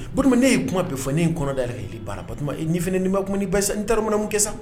Batɔɔma ne ye kuma bɛ fɔ ne ye n kɔnɔ da yɛlɛ e banna Batɔɔma nin fana nin ma kuma ni ba ye sa n taa dɔn n bɛna mun kɛ sa